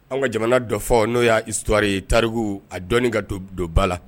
An ka jamana dɔ fɔ n'o y'atuwari tariku a dɔni ka dɔba la